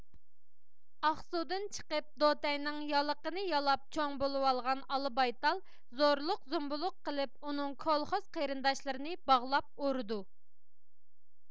ئاقسۇدىن چىقىپ دوتەينىڭ يالىقىنى يالاپ چوڭ بولۇۋالغان ئالا بايتال زورلۇق زومبۇلۇق قىلىپ ئۇنىڭ كولخوز قېرىنداشلىرىنى باغلاپ ئۇرىدۇ